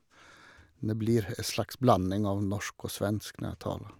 Men det blir en slags blanding av norsk og svensk når jeg taler.